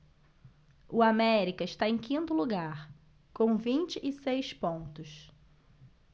o américa está em quinto lugar com vinte e seis pontos